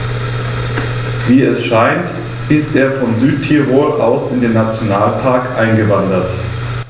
Wie es scheint, ist er von Südtirol aus in den Nationalpark eingewandert.